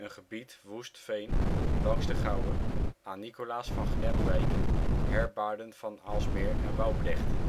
gebied woest veen langs de Gouwe aan Nicolaas van Gnepwijk, Herbaren van Aalsmeer en Woubrecht